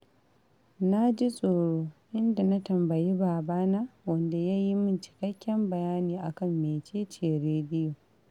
Na ji tsoro, inda na tambayi babana, wanda ya yi min cikakken bayani a kan mece ce rediyo.